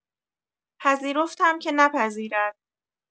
پذیرفتم که نپذیرد.